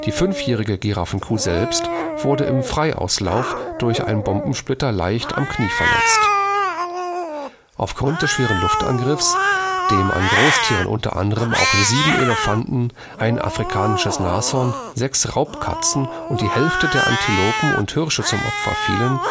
fünfjährige Giraffenkuh selbst wurde im Freiauslauf durch einen Bombensplitter leicht am Knie verletzt. Aufgrund des schweren Luftangriffs, dem an Großtieren unter anderem auch sieben Elefanten, ein afrikanisches Nashorn, sechs Raubkatzen und die Hälfte der Antilopen und Hirsche zum Opfer fielen